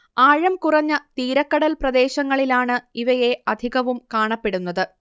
ആഴം കുറഞ്ഞ തീരക്കടൽ പ്രദേശങ്ങളിലാണ് ഇവയെ അധികവും കാണപ്പെടുന്നത്